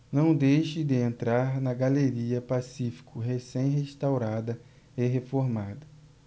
não deixe de entrar na galeria pacífico recém restaurada e reformada